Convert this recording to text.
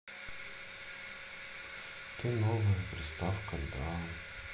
ты новая приставка да